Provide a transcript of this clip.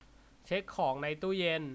เช็คของในตู้เย็น